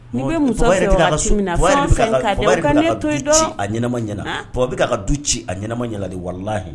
N' to ci a ɲɛnama ɲɛnaana bɛ du ci a ɲɛnama ɲɛnali walalahi